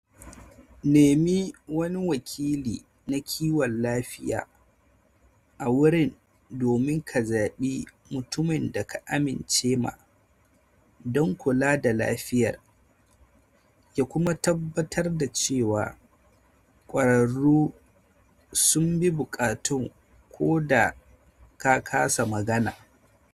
Nemi wani wakili na kiwon lafiya a wurin domin ka zaɓi mutumin da ka amincema don kula da lafiyar ya kuma tabbatar da cewa kwararru sunbi bukatun ka koda ka kasa magana.